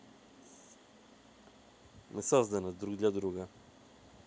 мы созданы друг для друга